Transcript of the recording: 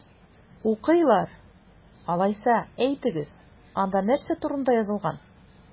Укыйлар! Алайса, әйтегез, анда нәрсә турында язылган?